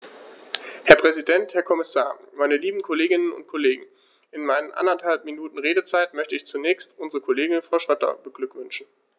Herr Präsident, Herr Kommissar, meine lieben Kolleginnen und Kollegen, in meinen anderthalb Minuten Redezeit möchte ich zunächst unsere Kollegin Frau Schroedter beglückwünschen.